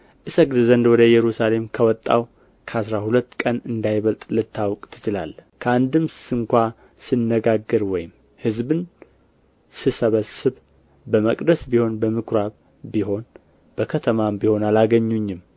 እሰግድ ዘንድ ወደ ኢየሩሳሌም ከወጣሁ ከአሥራ ሁለት ቀን እንዳይበልጥ ልታውቀው ትችላለህ ከአንድም ስንኳ ስነጋገር ወይም ሕዝብን ስሰበስብ በመቅደስ ቢሆን በምኵራብም ቢሆን በከተማም ቢሆን አላገኙኝም